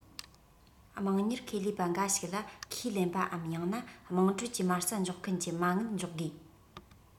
དམངས གཉེར ཁེ ལས པ འགའ ཞིག ལ ཁས ལེན པའམ ཡང ན དམངས ཁྲོད ཀྱི མ རྩ འཇོག མཁན གྱི མ དངུལ འཇོག དགོས